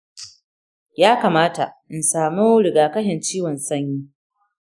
yakamata in samu rigakafin ciwon sanyi?